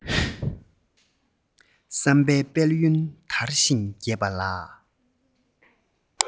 བསམ པའི དཔལ ཡོན དར ཞིང རྒྱས པ ལ